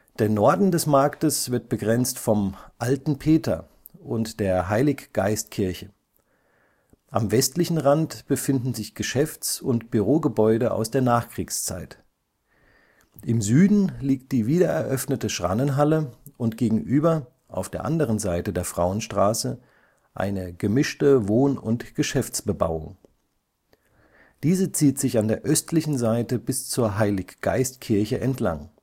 Der Norden des Marktes wird begrenzt vom „ Alten Peter “und der Heilig-Geist-Kirche. Am westlichen Rand befinden sich Geschäfts - und Bürogebäude aus der Nachkriegszeit. Im Süden liegt die wiedereröffnete Schrannenhalle und gegenüber, auf der anderen Seite der Frauenstraße, eine gemischte Wohn - und Geschäftsbebauung. Diese zieht sich an der östlichen Seite bis zur Heilig-Geist-Kirche entlang